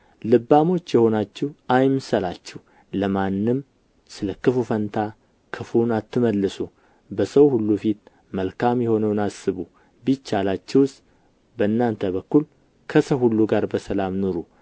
ልባሞች የሆናችሁ አይምሰላችሁ ለማንም ስለ ክፉ ፈንታ ክፉን አትመልሱ በሰው ሁሉ ፊት መልካም የሆነውን አስቡ ቢቻላችሁስ በእናንተ በኩል ከሰው ሁሉ ጋር በሰላም ኑሩ